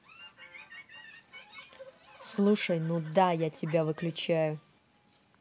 слушай ну да я тебя выключаю